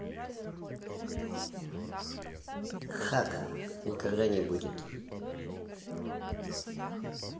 хах никогда не будет